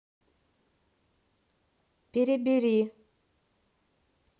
перебери